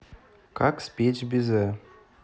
как спечь бизе